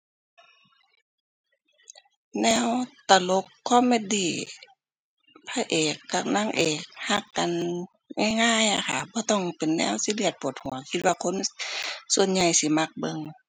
แนวตลก comedy พระเอกกับนางเอกรักกันง่ายง่ายอะค่ะ บ่ต้องเป็นแนว serious ปวดหัว คิดว่าคนส่วนใหญ่สิมักเบิ่ง